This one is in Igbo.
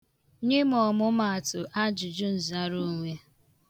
Nye m ọmụmaatụ ajụjụnzaraonwe.